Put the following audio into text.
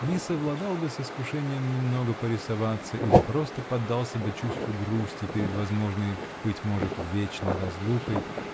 не совладал бы с искушением немного порисоваться или просто поддался бы чувству грусти перед возможной, быть может, вечной разлукой.